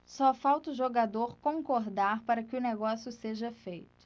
só falta o jogador concordar para que o negócio seja feito